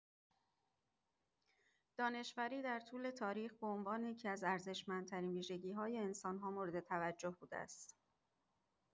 دانشوری در طول تاریخ به عنوان یکی‌از ارزشمندترین ویژگی‌های انسان‌ها مورد توجه بوده است.